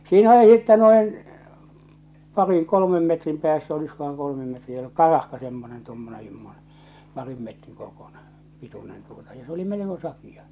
siinä se sitten noin parin kolmen metrin päässä olisikohan kolmen metriä karahka semmoinen tuommoinen semmoinen parin metrin korkuinen pituinen tuota ja se oli melko sakea